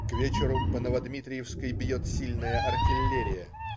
К вечеру по Ново-Дмитриевской бьет сильная артиллерия.